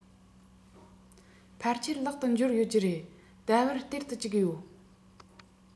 ཕལ ཆེར ལག ཏུ འབྱོར ཡོད ཀྱི རེད ཟླ བར སྟེར དུ བཅུག ཡོད